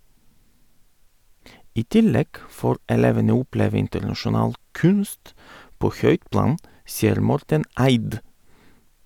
I tillegg får elevene oppleve internasjonal kunst på høyt plan, sier Morten Eid.